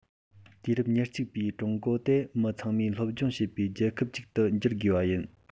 དུས རབས ཉེར གཅིག པའི ཀྲུང གོ དེ མི ཚང མས སློབ སྦྱོང བྱེད པའི རྒྱལ ཁབ ཅིག ཏུ འགྱུར དགོས པ ཡིན